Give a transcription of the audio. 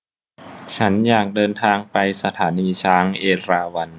ฉันอยากเดินทางไปสถานีช้างเอราวัณ